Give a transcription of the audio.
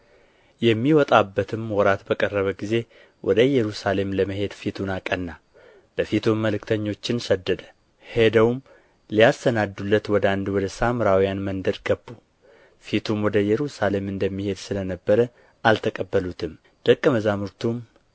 የሚወጣበትም ወራት በቀረበ ጊዜ ወደ ኢየሩሳሌም ለመሄድ ፊቱን አቀና በፊቱም መልክተኞችን ሰደደ ሄደውም ሊያሰናዱለት ወደ አንድ ወደ ሳምራውያን መንደር ገቡ ፊቱም ወደ ኢየሩሳሌም እንደሚሄድ ስለ ነበረ አልተቀበሉትም ደቀ መዛሙርቱም